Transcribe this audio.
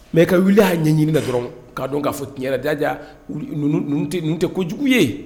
Mɛ i ka wuli' ɲɛ ɲini na dɔrɔn kaa dɔn k'a fɔ tiɲɛnajaja tɛ kojugu ye